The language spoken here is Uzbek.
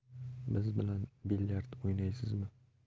biz bilan bilyard o'ynaysizmi